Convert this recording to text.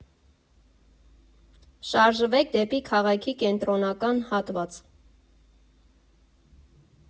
Շարժվեք դեպի քաղաքի կենտրոնական հատված։